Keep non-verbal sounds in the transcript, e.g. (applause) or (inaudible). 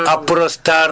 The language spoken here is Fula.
(noise) Aprostar